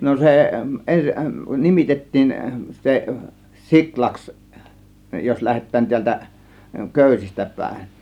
no se - nimitettiin se siulaksi jos lähdetään täältä köysistä päin